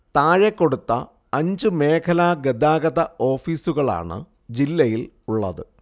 താഴെ കൊടുത്ത അഞ്ചു മേഖലാഗതാഗത ഓഫീസുകളാണ് ജില്ലയിൽ ഉള്ളത്